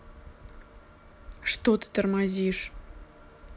что ты тормозишь